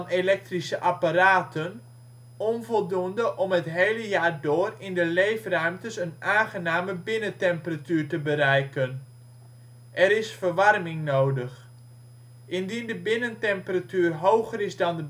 elektrische apparaten) onvoldoende om het hele jaar door in de leefruimtes een aangename binnentemperatuur te bereiken: er is verwarming nodig. Indien de binnentemperatuur hoger is dan de